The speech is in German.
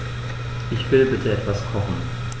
Ich will bitte etwas kochen.